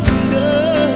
đời